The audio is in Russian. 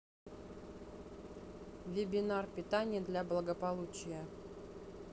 вебинар питание для благополучия